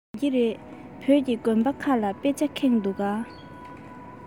ཡིན གྱི རེད བོད ཀྱི དགོན པ ཁག ལ དཔེ ཆས ཁེངས འདུག ག